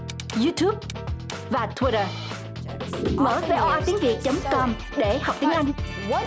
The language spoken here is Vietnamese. diu túp và thuết tờ mở vê o a tiếng việt chấm com để học tiếng anh